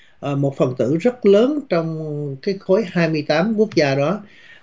ờ một phần tử rất lớn trong cái khối hai mươi tám quốc gia đó